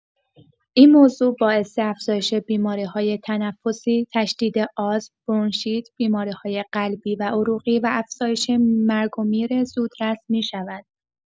این موضوع باعث افزایش بیماری‌های تنفسی، تشدید آسم، برونشیت، بیماری‌های قلبی و عروقی و افزایش مرگ‌ومیر زودرس می‌شود.